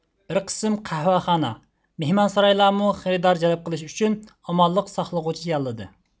بىر قىسىم قەھۋەخانا مىھمانسارايلارمۇ خېرىدار جەلپ قىلىش ئۈچۈن ئامانلىق ساقلىغۇچى ياللىدى